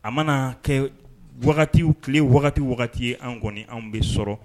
A mana kɛ wagati, tile wagati o wagati ye, an kɔni anw bɛ sɔrɔ.